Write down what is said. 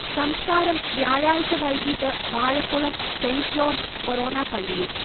സംസ്കാരം വ്യാഴാഴ്ച വൈകീട്ട് വാഴക്കുളം സെന്റ് ജോർജ് ഫൊറോന പള്ളിയിൽ